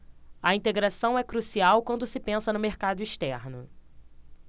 a integração é crucial quando se pensa no mercado externo